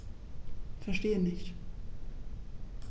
Verstehe nicht.